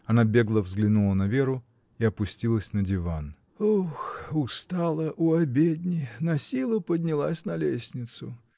Она бегло взглянула на Веру и опустилась на диван. — Ух, устала у обедни! Насилу поднялась на лестницу!